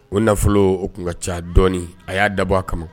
O nafolo o tun ka ca dɔɔninɔni a y'a dabɔ a kama